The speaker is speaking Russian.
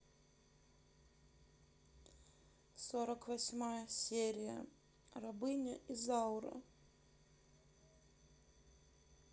сорок восьмая серия рабыня изаура